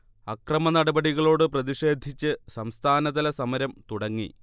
അക്രമനടപടികളോട് പ്രതിഷേധിച്ച് സംസ്ഥാനതല സമരം തുടങ്ങി